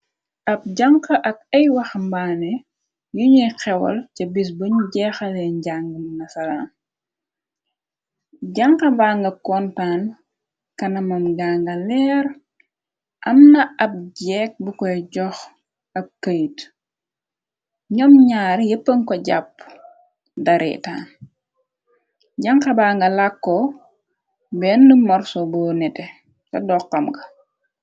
Ab janxa ak ay waxambaane yuñuy xewal ca bis buñu jeexalee njàng nasaraan. Jànxabaa nga kontaan kanamam ganga leer , amna ab jeeg bu koy jox ak këyt , ñoom ñaar yéppan ko jàpp dareetaan , janxaba nga làkko bend morso bu nete ta doxxam ga.